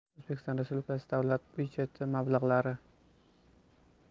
o'zbekiston respublikasi davlat budjeti mablag'lari